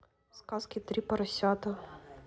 сказка три поросята